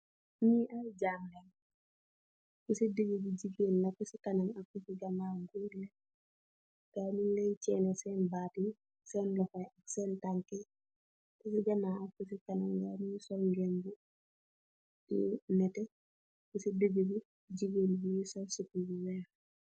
Nyii aye jamlang nyung len chene ci ceni bad